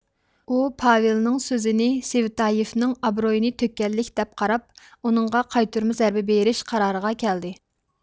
ئۇ پاۋېلنىڭ سۆزىنى سۋېتايېفنىڭ ئابرۇيىنى تۆككەنلىك دەپ قاراپ ئۇنىڭغا قايتۇرما زەربە بېرىش قارارىغا كەلدى